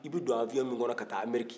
i bɛ don awiyɔn min kɔnɔ ka taa ameriki